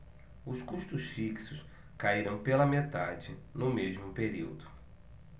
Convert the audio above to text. os custos fixos caíram pela metade no mesmo período